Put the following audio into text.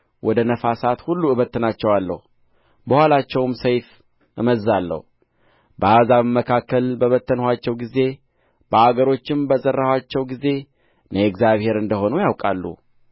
ወደ ነፋሳት ሁሉ እበትናቸዋለሁ በኋላቸውም ሰይፍ እመዝዛለሁ በአሕዛብም መካከል በበተንኋቸው ጊዜ በአገሮችም በዘራኋቸው ጊዜ እኔ እግዚአብሔር እንደ ሆንሁ ያውቃሉ